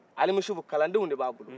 alimusufu kalandenw de b'a bolo